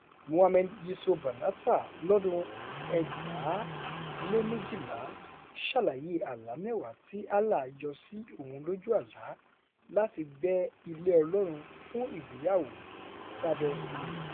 Mohammed Yiso Banatah lọ́dún-un 2012 ṣàlàyé àlá mẹ́wàá tí Allah yọ sí òun lójú àlá láti gbẹ́ ilé Ọlọ́run fún ìgbéyàwó sábẹ́ ilẹ̀.